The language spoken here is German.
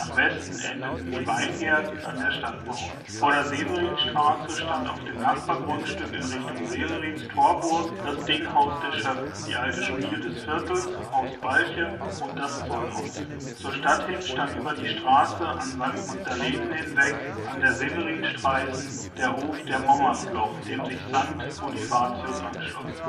Westen endeten die Weingärten an der Stadtmauer. Vor der Severinstraße stand auf dem Nachbargrundstück in Richtung Severinstorburg das Dinghaus der Schöffen, die alte Schmiede des Viertels (Haus Balchem), und das Zollhaus. Zur Stadt hin, stand über die Straße „ An St. Magdalenen “hinweg, an der „ Severinstraissen “der Hof der „ Mommersloch “, dem sich St. Bonifatius anschloss